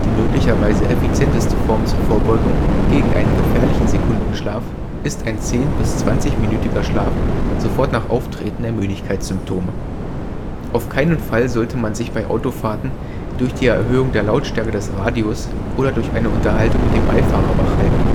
möglicherweise effizienteste Form zur Vorbeugung gegen einen gefährlichen Sekundenschlaf ist ein zehn - bis zwanzigminütiger Schlaf sofort nach Auftreten der Müdigkeitssymptome. Auf keinen Fall sollte man sich bei Autofahrten durch die Erhöhung der Lautstärke des Radios oder durch eine Unterhaltung mit dem Beifahrer wach halten